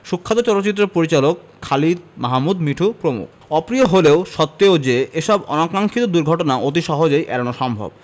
সুখ্যাত চলচ্চিত্র পরিচালক খালিদ মাহমুদ মিঠু প্রমুখ অপ্রিয় হলেও সত্ত্বেও যে এসব অনাকাক্সিক্ষত দুর্ঘটনা অতি সহজেই এড়ানো সম্ভব